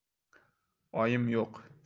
oyim yo'q